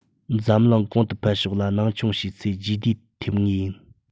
འཛམ གླིང གོང དུ འཕེལ ཕྱོགས ལ སྣང ཆུང བྱས ཚེ རྗེས ལུས ཐེབས ངེས ཡིན